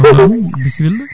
ah oui